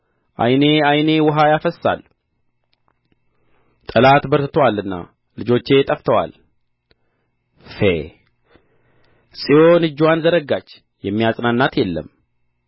ዓይኔ ዓይኔ ውኃ ያፈስሳል ጠላት በርትቶአልና ልጆቼ ጠፍተዋል ፌ ጽዮን እጅዋን ዘረጋች የሚያጽናናት የለም